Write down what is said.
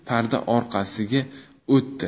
parda orqasiga o'tdi